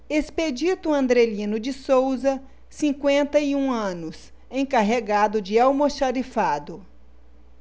expedito andrelino de souza cinquenta e um anos encarregado de almoxarifado